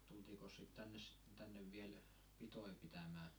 tultiinkos sitä tänne sitten tänne vielä pitoja pitämään